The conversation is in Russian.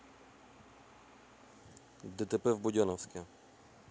дтп в буденновске